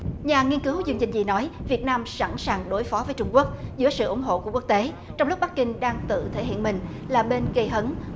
nhà nghiên cứu dung dân di nói việt nam sẵn sàng đối phó với trung quốc với sự ủng hộ của quốc tế trong lúc bắc kinh đang tự thể hiện mình là bên gây hấn